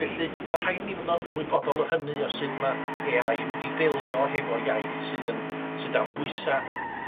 Felly ma' rhaid ni fod no- ymwybodol o hynny, o sud ma' Ay I mynd i ddelio hefo iaith sydd yn sy dan bwysa'